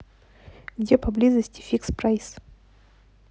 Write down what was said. где поблизости фикс прайс